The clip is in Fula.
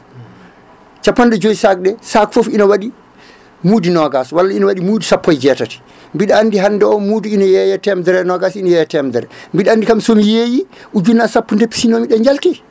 capanɗe jooyi sac ɗe sac foof ina waɗi muudi nogas walla ina waɗi muudi sappo e jeetati mbiɗa andi hande o muudo ina yeeye temedere e neogas ine yeeye temedere mbiɗa andi kam somi yeeyi ujunnaje sappo ɗe deppisinomi ɗe jalti